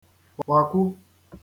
gbàkwu